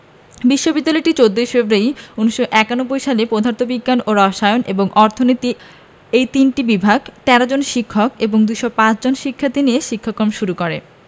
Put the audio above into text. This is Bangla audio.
বিশ্ববিদ্যালয়টি ১৪ ফেব্রুয়ারি ১৯৯১ সালে পদার্থ বিজ্ঞান রসায়ন এবং অর্থনীতি এ তিনটি বিভাগ ১৩ জন শিক্ষক এবং ২০৫ জন শিক্ষার্থী নিয়ে শিক্ষাক্রম শুরু করে